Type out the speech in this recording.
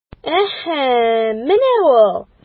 Әһә, менә ул...